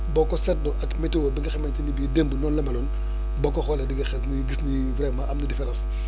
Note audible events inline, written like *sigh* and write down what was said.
boo ko seetloo ak météo bi nga xamante ni bi démb noonu la meloon *breath* boo ko xoolee di nga xam ni gis ni vraiment am na différence *breath*